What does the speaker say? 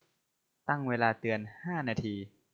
ตั้งเวลาเตือนห้านาที